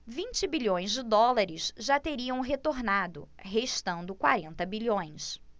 vinte bilhões de dólares já teriam retornado restando quarenta bilhões